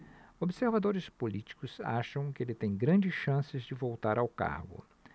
observadores políticos acham que ele tem grandes chances de voltar ao cargo